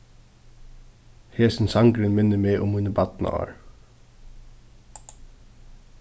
hesin sangurin minnir meg um míni barnaár